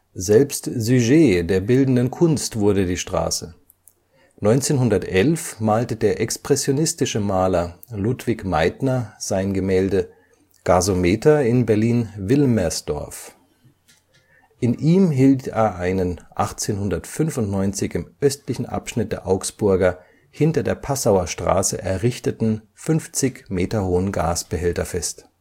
Selbst Sujet der bildenden Kunst wurde die Straße: 1911 malte der expressionistische Maler Ludwig Meidner sein Gemälde Gasometer in Berlin-Wilmersdorf. In ihm hielt er einen 1895 im östlichen Abschnitt der Augsburger hinter der Passauer Straße errichteten, 50 Meter hohen Gasbehälter fest